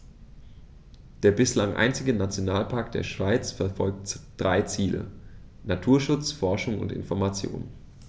Der bislang einzige Nationalpark der Schweiz verfolgt drei Ziele: Naturschutz, Forschung und Information.